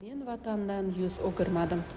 men vatandan yuz o'girmadim